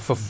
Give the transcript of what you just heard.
foof